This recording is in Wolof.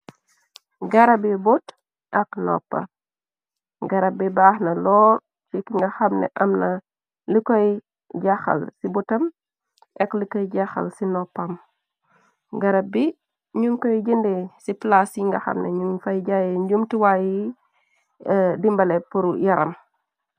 Garab bi bot ak noppa, garab bi baax na loo ci ki nga xamne am na li koy jaxxal ci botam ak li koy jaxxal ci noppam. Garab bi ñuñ koy jënde ci plaas yi nga xamne ñuñ fay jaye njumti waayi dimbale pur yaram.